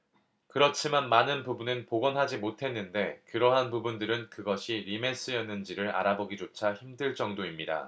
그렇지만 많은 부분은 복원하지 못했는데 그러한 부분들은 그것이 리메스였는지를 알아보기조차 힘들 정도입니다